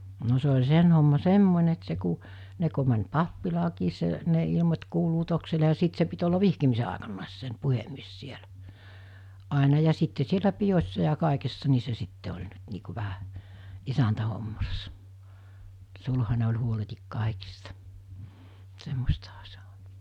no se oli sen homma semmoinen että se kun ne kun meni pappilaankin se ne ilmoitti kuulutuksille ja sitten se piti olla vihkimisen aikanakin sen puhemies siellä aina ja sitten siellä pidoissa ja kaikessa niin se sitten oli nyt niin kuin vähän isäntähommassa sulhanen oli huoletta kaikista semmoistahan se on